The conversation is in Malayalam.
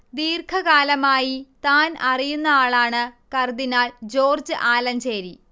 ദീർഘകാലമായി താൻ അറിയുന്ന ആളാണ് കർദിനാൾ ജോർജ്ജ് ആലഞ്ചേരി